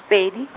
Pedi.